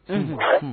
Unhun